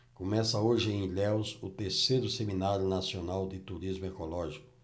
começa hoje em ilhéus o terceiro seminário nacional de turismo ecológico